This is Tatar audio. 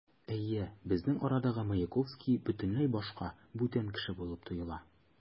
Әйе, безнең арадагы Маяковский бөтенләй башка, бүтән кеше булып тоела.